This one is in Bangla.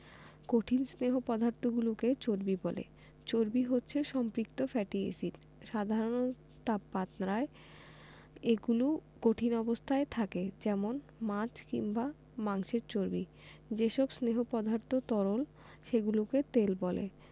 কঠিন স্নেহ পদার্থগুলোকে চর্বি বলে চর্বি হচ্ছে সম্পৃক্ত ফ্যাটি এসিড সাধারণ তাপমাত্রায় এগুলো কঠিন অবস্থায় থাকে যেমন মাছ কিংবা মাংসের চর্বি যেসব স্নেহ পদার্থ তরল সেগুলোকে তেল বলে